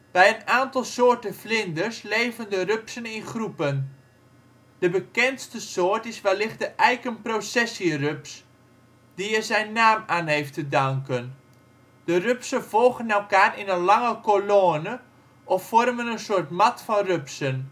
Bij een aantal soorten vlinders leven de rupsen in groepen. De bekendste soort is wellicht de eikenprocessierups, die er zijn naam aan heeft te danken. De rupsen volgen elkaar in een lange colonne, of vormen een soort mat van rupsen. Er